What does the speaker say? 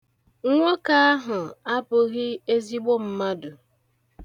Nwoke ahụ abụghị ezigbo mmadụ.